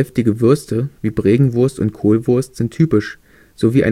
Würste wie Bregenwurst und Kohlwurst sind typisch sowie